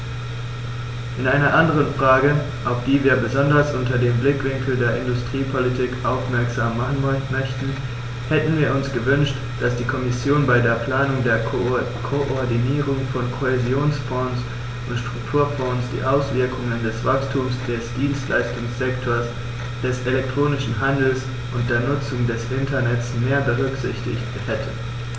In einer anderen Frage, auf die wir besonders unter dem Blickwinkel der Industriepolitik aufmerksam machen möchten, hätten wir uns gewünscht, dass die Kommission bei der Planung der Koordinierung von Kohäsionsfonds und Strukturfonds die Auswirkungen des Wachstums des Dienstleistungssektors, des elektronischen Handels und der Nutzung des Internets mehr berücksichtigt hätte.